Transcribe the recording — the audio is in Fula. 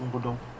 ɗum ko donc